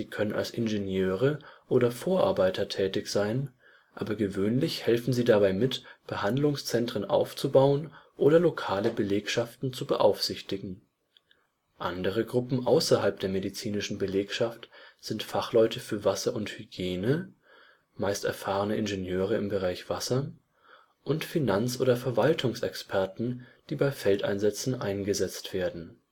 können als Ingenieure oder Vorarbeiter tätig sein, aber gewöhnlich helfen sie dabei mit, Behandlungszentren aufzubauen oder lokale Belegschaften zu beaufsichtigen. Andere Gruppen außerhalb der medizinischen Belegschaft sind Fachleute für Wasser und Hygiene (meist erfahrene Ingenieure im Bereich Wasser) und Finanz - oder Verwaltungsexperten, die bei Feldeinsätzen eingesetzt werden